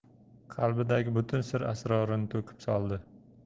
qalbidagi butun sir asrorini to'kib soldi